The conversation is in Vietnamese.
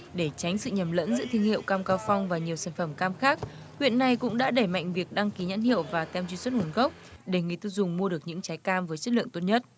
để tránh sự nhầm lẫn giữa thương hiệu cam cao phong và nhiều sản phẩm cam khác huyện này cũng đã đẩy mạnh việc đăng ký nhãn hiệu và tem truy xuất nguồn gốc để người tiêu dùng mua được những trái cam với chất lượng tốt nhất